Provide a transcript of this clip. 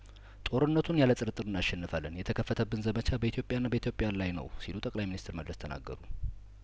ጦርነቱን ያለጥር ጥር እናሸንፋለን የተከፈተብን ዘመቻ በኢትዮጵያ ና በኢትዮጵያውያን ላይ ነው ሲሉ ጠቅላይ ሚኒስትር መለስ ተናገሩ